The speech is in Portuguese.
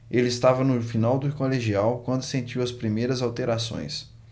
ele estava no final do colegial quando sentiu as primeiras alterações